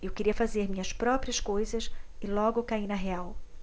eu queria fazer minhas próprias coisas e logo caí na real